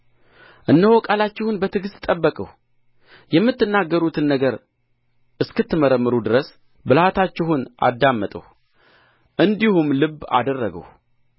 እነሆ ቃላችሁን በትዕግሥት ጠበቅሁ የምትናገሩትን ነገር እስክትመረምሩ ድረስ ብልሃታችሁን አዳመጥሁ እንዲሁም ልብ አደረግሁ